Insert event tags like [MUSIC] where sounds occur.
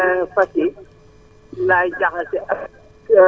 neefere [HESITATION] fas yi